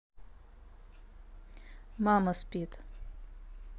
мама спит